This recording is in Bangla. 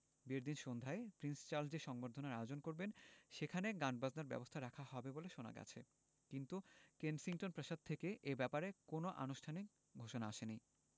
বিয়ের দিন সন্ধ্যায় প্রিন্স চার্লস যে সংবর্ধনার আয়োজন করবেন সেখানে গানবাজনার ব্যবস্থা রাখা হবে বলে শোনা গেছে কিন্তু কেনসিংটন প্রাসাদ থেকে এ ব্যাপারে কোনো আনুষ্ঠানিক ঘোষণা আসেনি